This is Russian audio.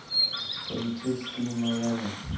полицейские майами